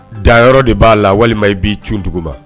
Danyɔrɔ de b'a la walima i b'i cun tugunba